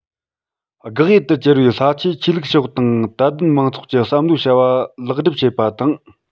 དགག ཡུལ དུ གྱུར བའི ས ཆའི ཆོས ལུགས ཕྱོགས དང དད ལྡན མང ཚོགས ཀྱི བསམ བློའི བྱ བ ལེགས སྒྲུབ བྱེད པ དང